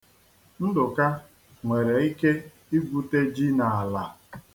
Ndụka nwere ike igwute ji n'ala.